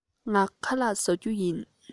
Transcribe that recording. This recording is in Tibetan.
ངས ཁ ལག བཟས མེད